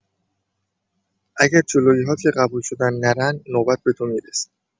اگه جلویی‌هات که قبول شدن نرن نوبت به تو می‌رسه